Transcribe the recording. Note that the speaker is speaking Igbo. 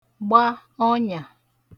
gba ọnyà